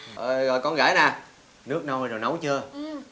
ờ rồi con rể nè nước nôi đồ nấu chưa